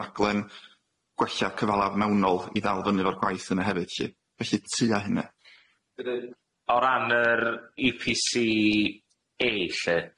raglen gwella cyfala mewnol i ddal fyny fo'r gwaith yna hefyd lly felly tua hynna. O ran yr Ee Pee See Ay lly.